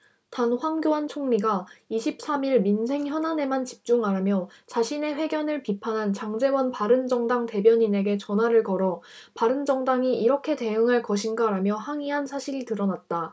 단 황교안 총리가 이십 삼 일 민생 현안에만 집중하라며 자신의 회견을 비판한 장제원 바른정당 대변인에게 전화를 걸어 바른정당이 이렇게 대응할 것인가라며 항의한 사실이 드러났다